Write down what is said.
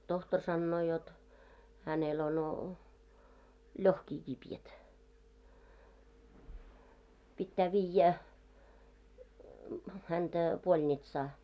tohtori sanoo jotta hänellä on lohkii kipeät pitää viedä häntä polnitsaan